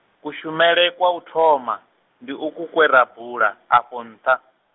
kushumele kwa u thoma, ndi uku kwe ra bula, afho nṱha.